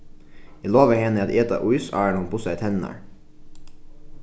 eg lovaði henni at eta ís áðrenn hon bustaði tenninar